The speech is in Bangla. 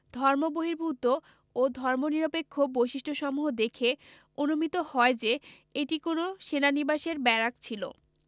ধর্মবহির্ভূত ও ধর্মনিরপেক্ষ বৈশিষ্ট্যসমূহ দেখে অনুমিত হয় যে এটি কোন সেনা নিবাসের ব্যারাক ছিল